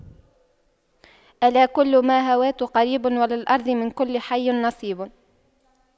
ألا كل ما هو آت قريب وللأرض من كل حي نصيب